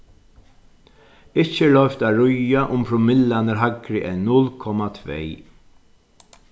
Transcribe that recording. ikki er loyvt at ríða um promillan er hægri enn null komma tvey